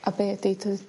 A be' 'di dy